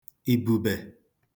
ìbùbè